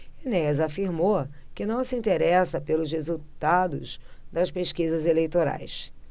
enéas afirmou que não se interessa pelos resultados das pesquisas eleitorais